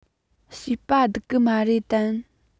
བྱིས པ སྡིག གི མ རེད དམ